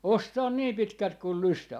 ostaa niin pitkälti kuin lystää